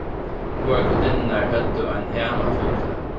báðar gudinnurnar høvdu ein ham av fugli